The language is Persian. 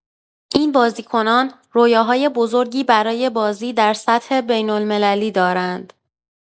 این بازیکنان رویاهای بزرگی برای بازی در سطح بین‌المللی دارند.